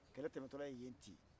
kɛlɛ tɛmɛ tɔ la ye yen ci